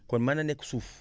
kon mën na nekk suuf